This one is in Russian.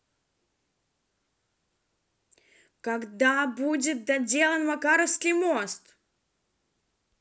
когда будет доделан макаровский мост